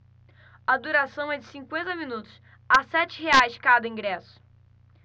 a duração é de cinquenta minutos a sete reais cada ingresso